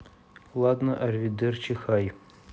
ладно аривидерчи хай